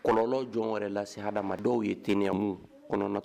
Kɔlɔlɔ jɔn wɛrɛ lase hadama dɔw ye tyamu kɔnɔ